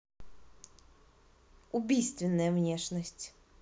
убийственная внешность